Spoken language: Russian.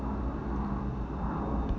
возможно